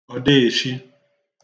ọ̀deèshi